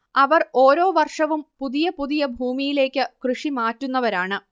അവർ ഓരോ വർഷവും പുതിയ പുതിയ ഭൂമിയിലേക്ക് കൃഷി മാറ്റുന്നവരാണ്